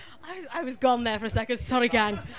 I was, I was gone there for a second, sorry gang.